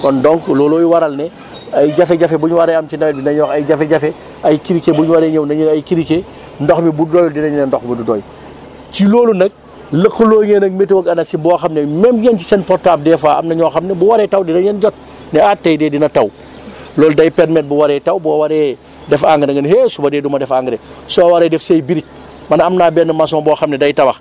kon donc loolooy waral ne ay jafe-jafe bu ñu waree am ci nawet bi na ñu wax ay jafe-jafe ay criquets buñ waree ñëw ne ñu ay criquets ndox mi bu doyul dinañ ne ndox bi du doy ci loolu nag lëkkaloo ngee ak météo ak ANACIM boo xam ne même ñoom ci seen portable des fois am na ñoo xam ne bu waree taw dinañ leen jot ne ah tey de dina taw loolu day permettre bu waree taw boo waree def engrasi ne eh suba de du ma def engrais soo waree def say briques man am naa benn maçon boo xam ne day tabax